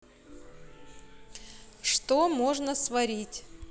что можно сварить